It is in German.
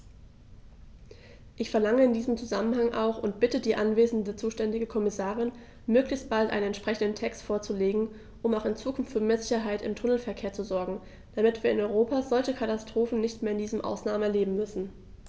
Ich verlange in diesem Zusammenhang auch und bitte die anwesende zuständige Kommissarin, möglichst bald einen entsprechenden Text vorzulegen, um auch in Zukunft für mehr Sicherheit im Tunnelverkehr zu sorgen, damit wir in Europa solche Katastrophen nicht mehr in diesem Ausmaß erleben müssen!